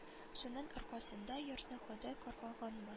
Шуның аркасында йортны ходай каргаганмы